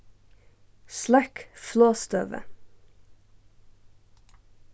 sløkk flogstøðu